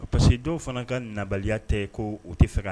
Parce que dɔw fana ka nabaliya tɛ ko u tɛ fɛ ka